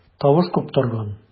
Тавыш куптарган.